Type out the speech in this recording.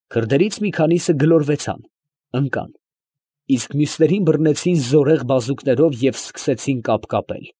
Քրդերից մի քանիսը գլորվեցան, ընկան, իսկ մյուսներին բռնեցին զորեղ բազուկներով և սկսեցին կապկապել։